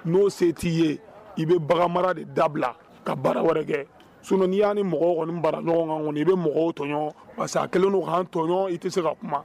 N'o se t'i ye i bɛ bagan mara de dabila ka baara wɛrɛ kɛ sunnin' ni mɔgɔ bara ɲɔgɔn kan kɔni i bɛ mɔgɔ tɔɔn masa kelen' kan tɔɔn i tɛ se ka kuma